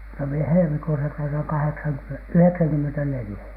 no minä helmikuussa täytän - yhdeksänkymmentäneljä